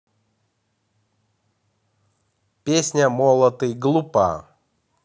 песня молотый глупо